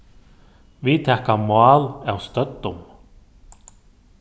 vit taka mál av støddum